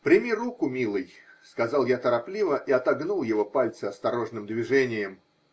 -- Прими руку, милый, -- сказал я торопливо и отогнул его пальцы осторожным движением.